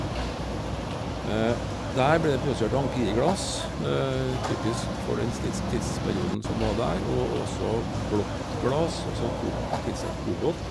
Der ble det produsert empire-glass, typisk for den stids tidsperioden som var der, og også blått glass, altså kobm tilsatt kobolt.